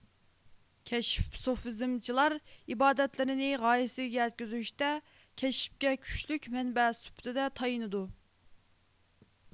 كەشىف سۇپىزمچىلار ئىبادەتلىرىنى غايىسىگە يەتكۈزۈشتە كەشفكە كۈچلۈك مەنبە سۈپىتىدە تايىنىدۇ